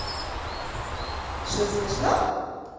что смешно